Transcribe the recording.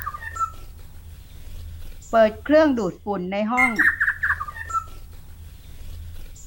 เปิดเครื่องดูดฝุ่นในห้อง